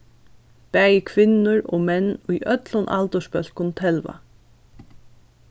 bæði kvinnur og menn í øllum aldursbólkum telva